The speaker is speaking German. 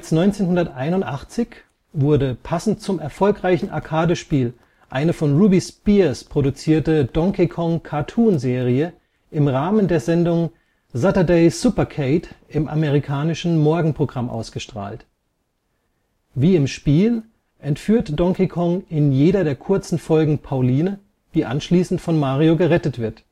1981 wurde passend zum erfolgreichen Arcade-Spiel eine von Ruby Spears produzierte Donkey-Kong-Cartoon-Serie im Rahmen der Sendung Saturday Supercade im amerikanischen Morgenprogramm ausgestrahlt. Wie im Spiel entführt Donkey Kong in jeder der kurzen Folgen Pauline, die anschließend von Mario gerettet wird